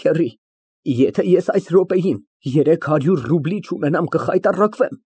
Քեռի, եթե այս րոպեին երեք հարյուր ռուբլի չունենամ ֊ կխայտառակվեմ։